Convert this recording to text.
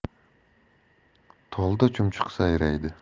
tolda chumchuq sayraydi